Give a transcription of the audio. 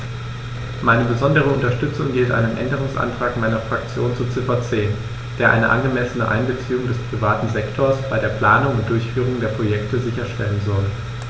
Meine besondere Unterstützung gilt einem Änderungsantrag meiner Fraktion zu Ziffer 10, der eine angemessene Einbeziehung des privaten Sektors bei der Planung und Durchführung der Projekte sicherstellen soll.